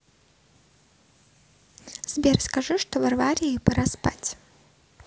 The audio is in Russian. сбер скажи что варварии пора спать